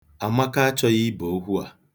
Amaka achọghị ibe okwu a.